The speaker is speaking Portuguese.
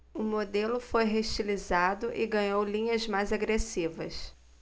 o modelo foi reestilizado e ganhou linhas mais agressivas